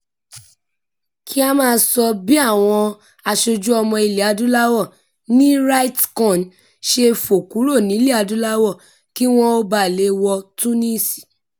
Kí a máà sọ bí àwọn aṣojú ọmọ ilẹ̀ adúláwọ̀ ní RightsCon ṣe fò kúrò nílẹ̀-adúláwọ̀ kí wọn ó ba lè wọ Tunis.